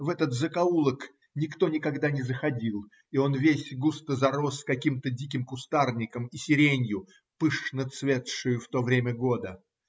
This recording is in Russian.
в этот закоулок никто никогда не заходил, и он весь густо зарос каким-то диким кустарником и сиренью, пышно цветшею в то время года.